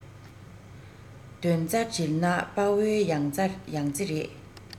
དོན རྩ བསྒྲིལ ན དཔལ བོའི ཡང རྩེ རེད